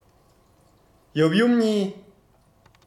ཡབ ཡུམ གཉིས